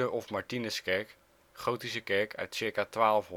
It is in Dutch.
of Martinuskerk, gotische kerk uit circa